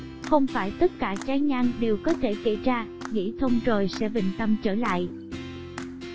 không phải tất cả trái ngang đều có thể kể ra nghĩ thông rồi sẽ bình tâm trở lại